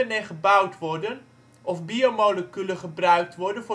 en gebouwd worden of biomoleculen gebruikt worden